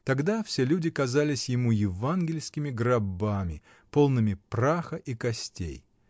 Тогда все люди казались ему евангельскими гробами, полными праха и костей.